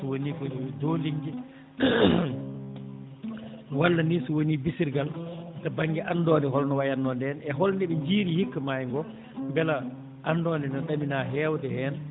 so wonii ko dooliŋnge walla ni so wonii bisirgal to baŋnge anndoonde holno wayatnoo ndeen e holno nde ɓe njiyiri hikka maayo ngoo mbela anndoonde no ɗaminaa heewde heen